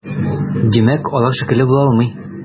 Димәк, алар шикле була алмый.